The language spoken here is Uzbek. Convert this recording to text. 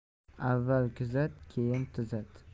avval kuzat keyin tuzat